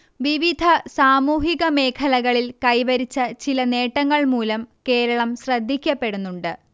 വിവിധ സാമൂഹിക മേഖലകളിൽ കൈവരിച്ച ചില നേട്ടങ്ങൾ മൂലം കേരളം ശ്രദ്ധിക്കപ്പെടുന്നുണ്ട്